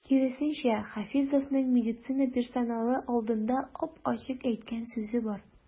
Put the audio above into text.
Киресенчә, Хафизовның медицина персоналы алдында ап-ачык әйткән сүзе бар.